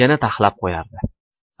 yana taxlab qo'yardi